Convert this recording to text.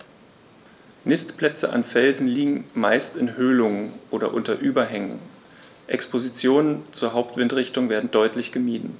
Nistplätze an Felsen liegen meist in Höhlungen oder unter Überhängen, Expositionen zur Hauptwindrichtung werden deutlich gemieden.